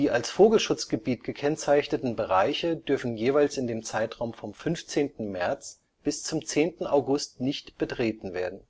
als Vogelschutzgebiet gekennzeichneten Bereiche dürfen jeweils in dem Zeitraum vom 15. März bis zum 10. August nicht betreten werden